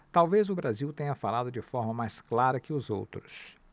talvez o brasil tenha falado de forma mais clara que os outros